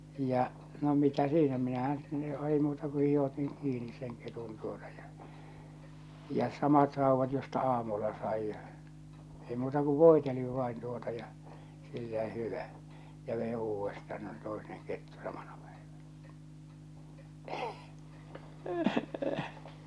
ja no mitä siinä minähän sitten ei muuta kuin - otin kiinni sen ketun tuota ja ja samat raudat josta aamulla sain ja ei muuta kuin voitelin vain tuota ja sillä hyvä ja vein uudestaan no se toinen kettu samana päivänä